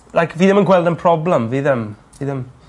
like fi ddim yn gweld yn problem. Fi ddim fi ddim.